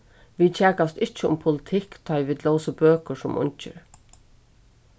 vit kjakaðust ikki um politikk tá ið vit lósu bøkur sum ungir